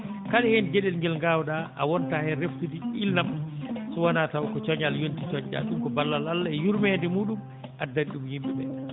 kala heen geɗel gel ngaawɗaa a wontaa heen reftude ilnam so wonaa taw ko coñal yontii coñɗaa ɗum ɗum ko ballal Allah e yurmeede muɗum addani ɗum yimɓe ɓee